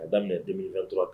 A daminɛ den tora kan